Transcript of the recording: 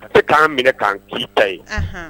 A tɛ k'an minɛ k'an kii ta ye